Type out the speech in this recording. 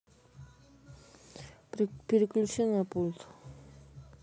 переключи на пульт